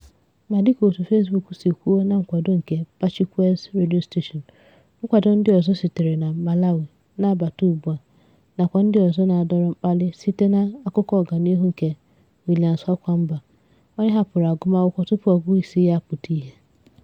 Ma dịka òtù Facebook si kwuo "na nkwado nke Pachikweza Radio Station", nkwado ndị ọzọ sitere na Malawi na-abata ugbua, nakwa ndị ọzọ na-adọrọ mkpali site n'akụkọ ọganihu nke William Kamkwamba, onye hapụrụ agụmakwụkwọ tupu ọgụgụisi ya apụta ihe.